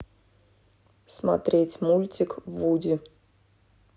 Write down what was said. смотреть мультик вуди